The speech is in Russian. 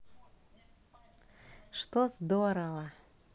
что здорово